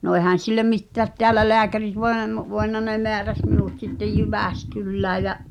no eihän sille mitään täällä lääkärit voinut - voinut ne määräsi minut sitten Jyväskylään ja